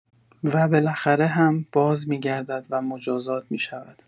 و بالاخره هم بازمی‌گردد و مجازات می‌شود.